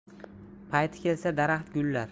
payti kelsa daraxt gullar